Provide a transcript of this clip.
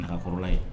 Nakɔrɔla ye